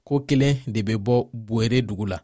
ko kelen de bɛ bɔ bwere dugu la